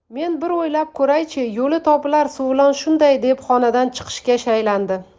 men bir o'ylab ko'ray chi yo'li topilar suvilon shunday deb xonadan chiqishga shaylandi